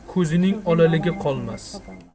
ko'zining olaligi qolmas